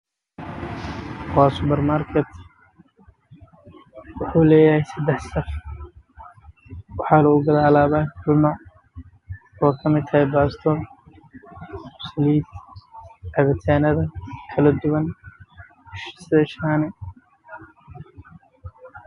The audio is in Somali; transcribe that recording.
Waa suuq waxa uu leyahy sadax saf